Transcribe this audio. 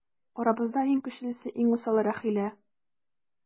Арабызда иң көчлесе, иң усалы - Рәхилә.